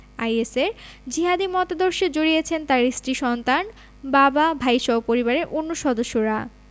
আইএসের জিহাদি মতাদর্শে জড়িয়েছেন তাঁর স্ত্রী সন্তান বাবা ভাইসহ পরিবারের অন্য সদস্যরা